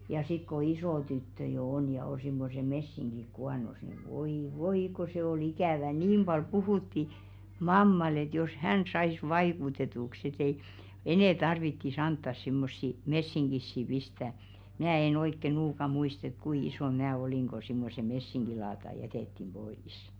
ja sitten kun iso tyttö jo on ja on semmoiset messingit kuonossa niin voi voi kun se oli ikävä niin paljon puhuttiin mammalle että jos hän saisi vaikutetuksi että ei enää tarvitsisi antaa semmoisia messinkisiä pistää minä en oikein nuukaan muista että kuinka isona minä olin kun semmoiset messinkilaatat jätettiin pois